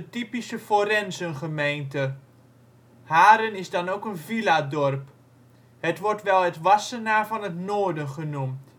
typische forenzengemeente. Haren is dan ook een villadorp; het wordt wel het Wassenaar van het Noorden genoemd